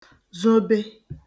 zobe